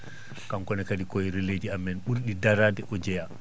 kanko ne kadi ko e relais ji amen ɓurɗi daraade o jeyaa